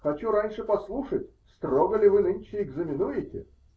Хочу раньше послушать, строго ли вы нынче экзаменуете!